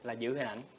là giữ hình ảnh